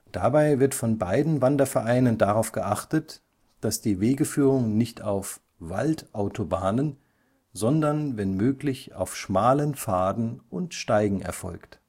Dabei wird von beiden Wandervereinen darauf geachtet, dass die Wegeführung nicht auf „ Waldautobahnen “sondern wenn möglich auf schmalen Pfaden und Steigen erfolgt